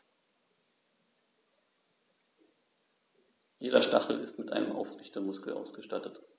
Jeder Stachel ist mit einem Aufrichtemuskel ausgestattet.